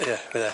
Ie bydde.